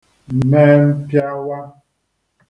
me mpịawa